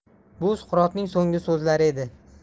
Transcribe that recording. bu suqrotning so'nggi so'zlari edi